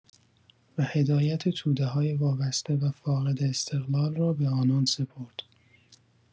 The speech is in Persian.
و هدایت توده‌های وابسته و فاقد استقلال را به آنان سپرد.